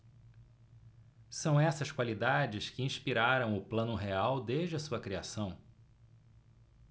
são essas qualidades que inspiraram o plano real desde a sua criação